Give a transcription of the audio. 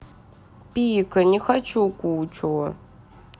пика не хочу кучу